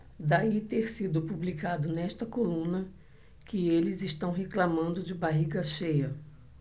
daí ter sido publicado nesta coluna que eles reclamando de barriga cheia